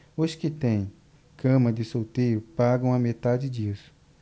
os que têm cama de solteiro pagam a metade disso